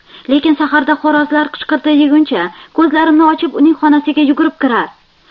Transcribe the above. lekin saharda xo'rozlar qichqirdi deguncha ko'zlarimni ochib uning xonasiga yugurib kirar